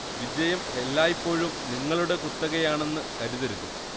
വിജയം എല്ലായ്പ്പോഴും നിങ്ങളുടെ കുത്തകയാണെന്ന് കരുതരുത്